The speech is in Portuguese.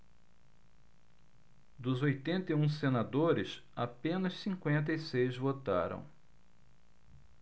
dos oitenta e um senadores apenas cinquenta e seis votaram